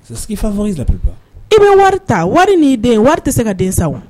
I bɛ wari ta wari i wari tɛ se ka den sa wa